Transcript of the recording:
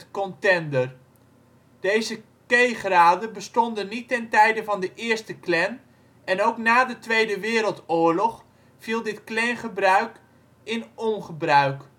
Kontender. Deze K-graden bestonden niet ten tijde van de eerste Klan en ook na de Tweede Wereldoorlog viel dit Klangebruik in ongebruik